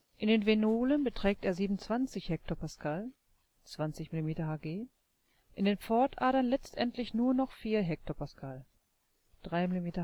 In den Venolen beträgt er 27 hPa (20 mmHg), in den Pfortadern letztendlich nur noch 4 hPa (3 mmHg). Im